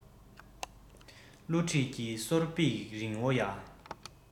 བསླུ བྲིད ཀྱི གསོར འབིག རིང བོ ཡ